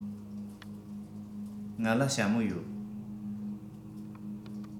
ང ལ ཞྭ མོ ཡོད